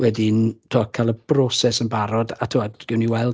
Wedyn tibod cael y broses yn barod a tibod gawn ni weld